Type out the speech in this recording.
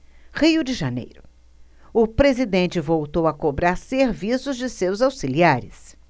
rio de janeiro o presidente voltou a cobrar serviço de seus auxiliares